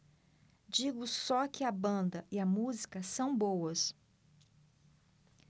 digo só que a banda e a música são boas